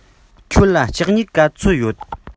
ཁྱོད ལ ལྕགས སྨྱུག ག ཚོད ཡོད